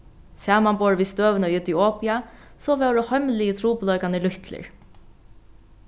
samanborið við støðuna í etiopia so vóru heimligu trupulleikarnir lítlir